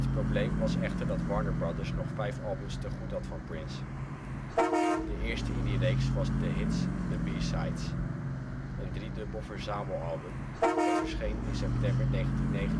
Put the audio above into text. probleem was echter dat Warner Brothers nog vijf albums tegoed had van Prince. De eerste in die reeks was The Hits/The B-Sides, een driedubbel verzamelalbum dat verscheen in september 1993